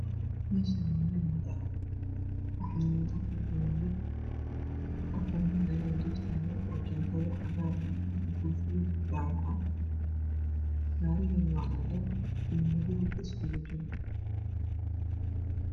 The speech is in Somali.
Meshan waa meel wado ah waxaa yaalo afar gawaari afar nin oo jaakado cagaar iyo kufoyad jaaloaha gaarigane waa cadan iyo madow iskujiro